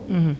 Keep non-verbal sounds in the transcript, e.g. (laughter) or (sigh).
(hesitation) (hesitation)